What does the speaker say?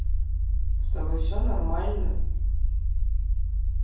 с тобой все нормально